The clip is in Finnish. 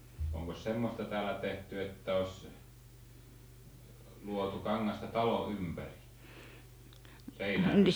onkos semmoista täällä tehty että olisi luotu kangasta talon ympäri seinää myöten